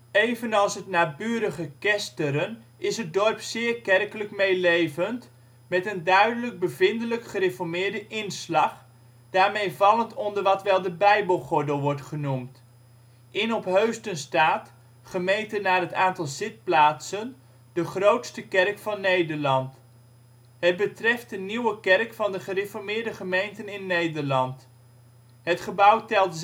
Evenals het naburige Kesteren is het dorp zeer kerkelijk meelevend, met een duidelijk bevindelijk-gereformeerde inslag, daarmee vallend onder wat wel de Bijbelgordel wordt genoemd. In Opheusden staat, gemeten naar het aantal zitplaatsen, de grootste kerk van Nederland. Het betreft de nieuwe kerk van de Gereformeerde Gemeenten in Nederland. Het gebouw telt